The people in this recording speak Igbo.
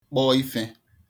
kpọ ifē